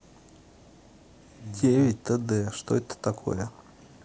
девять тд что это такое